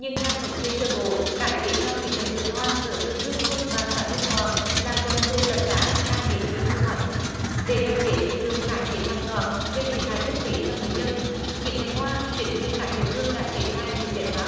nhưng theo thống kê sơ bộ cá chết trong những ngày vừa qua ở phường hương xuân và xã hương toàn là gần mười tấn cá đang đến kỳ thu hoạch để hạn chế hiện tượng cá chết hàng loạt gây thiệt hại kinh tế cho người dân những ngày qua chính quyền các địa phương đã triển khai nhiều giải pháp